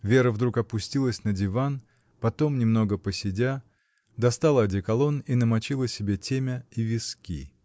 Вера вдруг опустилась на диван, потом, немного посидя, достала одеколон и намочила себе темя и виски.